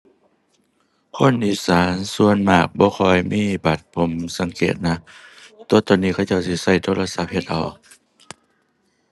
คนอีสานส่วนมากบ่ค่อยมีบัตร ผมสังเกตนะ แต่ว่าตอนนี้เขาเจ้าสิใช้โทรศัพท์เฮ็ดเอา